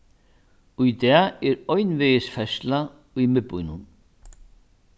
í dag er einvegis ferðsla í miðbýnum